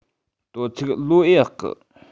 དོ ཚིག ལོ ཨེ ཡག གི